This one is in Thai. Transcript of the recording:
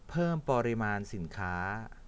เพิ่มปริมาณสินค้า